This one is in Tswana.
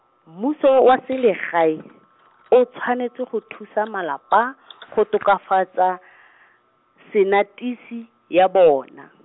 mmuso wa selegae , o tshwanetse go thusa malapa, go tokafatsa , senatisi, ya bona.